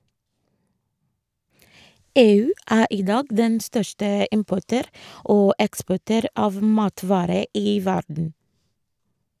EU er i dag den største importør og eksportør av matvarer i verden.